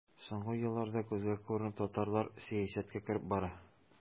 Соңгы елларда күзгә күренеп татарлар сәясәткә кереп бара.